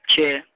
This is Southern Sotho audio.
tjee.